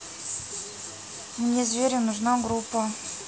мне звери нужны группа